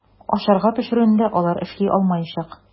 Ашарга пешерүне дә алар эшли алмаячак.